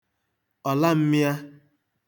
ọ̀la m̄mị̄ā